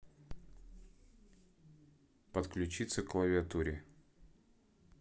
подключиться к клавиатуре